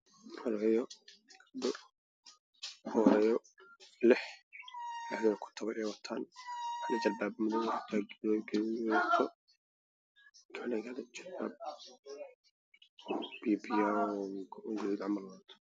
Halkaan waxaa ka muuqdo dumar labo saf ku jiro oo kitaab aqrinaayo